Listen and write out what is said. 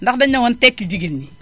ndax dañu ne woon tekki jigéen ñi